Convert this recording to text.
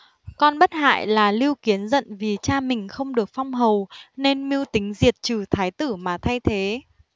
con bất hại là lưu kiến giận vì cha mình không được phong hầu nên mưu tính diệt trừ thái tử mà thay thế